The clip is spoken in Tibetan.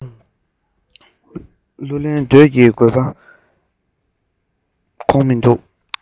གླུ ལེན འདོད ཀྱི འདུན པ འགོག མི འདུག